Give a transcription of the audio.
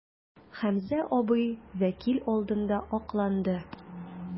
Хәмзә абый вәкил алдында акланды.